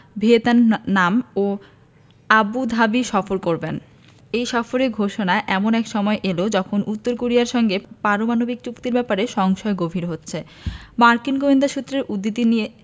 Vietnam ও Abu Dhabi সফর করবেন এই সফরের ঘোষণা এমন এক সময়ে এল যখন উত্তর কোরিয়ার সঙ্গে পারমাণবিক চুক্তির ব্যাপারে সংশয় গভীর হচ্ছে মার্কিন গোয়েন্দা সূত্রের উদ্ধৃতি দিয়ে